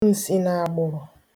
nsìnàgbụ̀rụ̀